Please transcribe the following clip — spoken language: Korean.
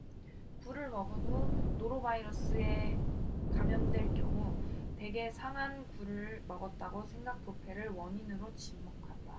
굴을 먹은 후 노로바이러스에 감염될 경우 대개 상한 굴을 먹었다고 생각 부패를 원인으로 지목한다